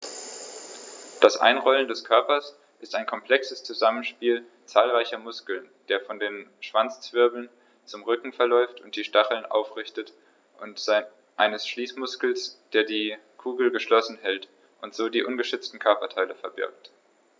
Das Einrollen des Körpers ist ein komplexes Zusammenspiel zahlreicher Muskeln, der von den Schwanzwirbeln zum Rücken verläuft und die Stacheln aufrichtet, und eines Schließmuskels, der die Kugel geschlossen hält und so die ungeschützten Körperteile verbirgt.